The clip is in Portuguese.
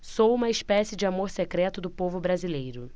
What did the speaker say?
sou uma espécie de amor secreto do povo brasileiro